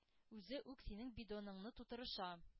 Үзе үк синең бидоныңны тутырыша.